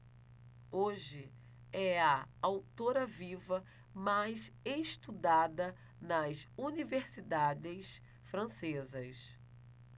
hoje é a autora viva mais estudada nas universidades francesas